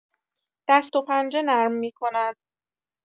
دست‌وپنجه نرم می‌کند.